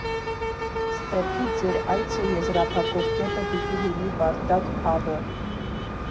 Ստեփի ձեր այցը եզրափակող կետը պիտի լինի «Բարդակ» փաբը։